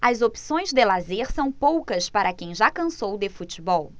as opções de lazer são poucas para quem já cansou de futebol